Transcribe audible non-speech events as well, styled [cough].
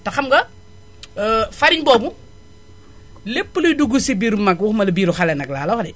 te xam nga [smacks lips] farine boobu lépp luy dugg bi biiru mag waxumala biiru xale nag laala wax de